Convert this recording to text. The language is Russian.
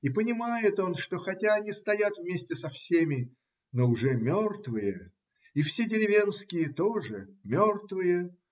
И понимает он, что хотя они стоят вместе со всеми, но уже мертвые, и все деревенские тоже мертвые